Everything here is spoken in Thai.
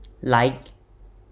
ไลค์